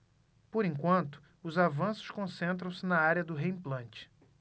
por enquanto os avanços concentram-se na área do reimplante